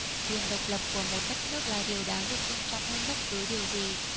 quyền độc lập của một đất nước là điều đáng được tôn trọng hơn bất cứ điều gì